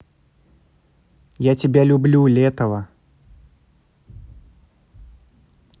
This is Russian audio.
я тебя люблю летова